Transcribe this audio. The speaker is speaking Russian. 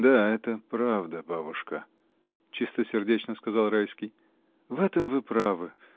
— Да, это правда, бабушка, — чистосердечно сказал Райский, — в этом вы правы.